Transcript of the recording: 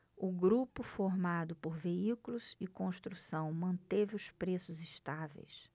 o grupo formado por veículos e construção manteve os preços estáveis